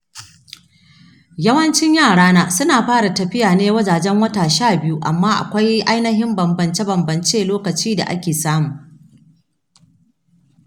yawancin yarana suna fara tafiya ne wajajen wata sha biyu, amma akwai ainhin banbance banbancen lokaci da ake samu.